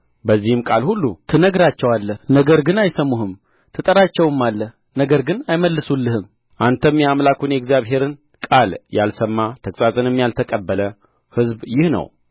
በዚህም ቃል ሁሉ ትነግራቸዋለህ ነገር ግን አይሰሙህም ትጠራቸውማለህ ነገር ግን አይመልሱልህም አንተም የአምላኩን የእግዚአብሔርን ቃል ያልሰማ ተግሣጽንም ያልተቀበለ ሕዝብ ይህ ነው